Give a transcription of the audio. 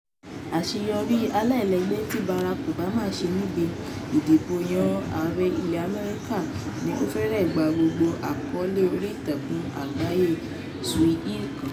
Àṣeyọrí aláìlẹ́gbẹ́ tí Barack Obama ṣe níbi ìdìbòyàn Ààrẹ ilẹ̀ Amẹ́ríkà ni ó fẹ́rẹ̀ gba gbogbo àkọọ́lẹ̀ oríìtakùn àgbáyé Swahili kan.